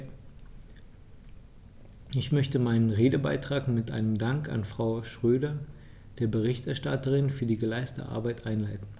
Ich möchte meinen Redebeitrag mit einem Dank an Frau Schroedter, der Berichterstatterin, für die geleistete Arbeit einleiten.